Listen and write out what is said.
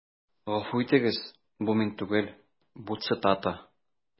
Гафу итегез, бу мин түгел, бу цитата.